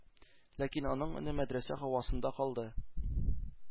Ләкин аның өне мәдрәсә һавасында калды.